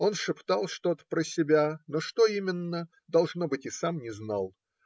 Он шептал что-то про себя, но что именно - должно быть, и сам не знал